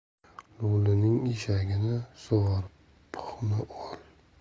lo'lining eshagini sug'or puhni ol